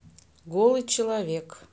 голый человек